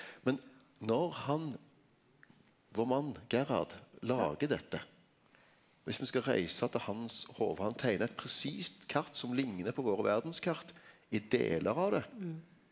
men når han vår mann Gerard lagar dette viss me skal reisa til hans hovud han teiknar eit presist kart som liknar på våre verdskart i delar av det.